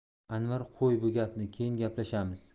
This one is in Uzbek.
anvar qo'y bu gapni keyin gaplashamiz